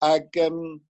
ag yym